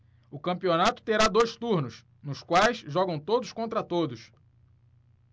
o campeonato terá dois turnos nos quais jogam todos contra todos